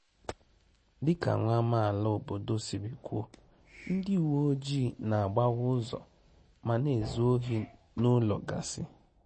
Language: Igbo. Dị ka nwa amaala obodo siri kwuo, ndị uwe ojii na-agbawa ụzọ ma na-ezu ohi n'ụlọ gasi.